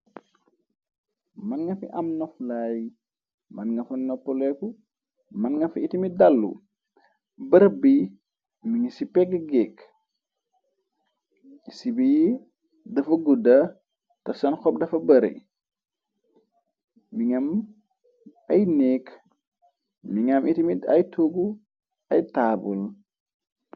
Mën nga fi am noflaay mën nga fa noppoleku mën nga fa itamid dàllu barëb bi mi nga ci pegg géek ci bi dafa gudda te sen xob dafa bare mi ngam ay néek mi nga am itimit ay toggu ay taabul.